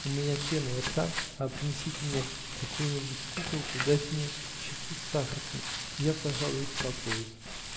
У меня пена у рта, а принесите мне какую-нибудь куколку, дайте мне чайку с сахарцем, я, пожалуй, и успокоюсь.